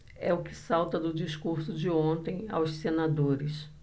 é o que salta do discurso de ontem aos senadores